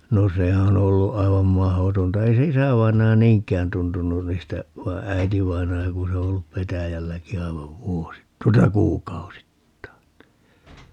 no se on ollut aivan mahdotonta ei se isävainaja niinkään tuntunut niistä vaan äitivainaja kun se on ollut petäjälläkin aivan - tuota kuukausittain niin